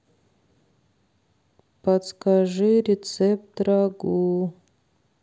подскажи рецепт рагу